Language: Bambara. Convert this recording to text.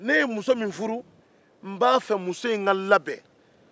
ne ye muso min furu n b'a fɛ muso in ka labɛn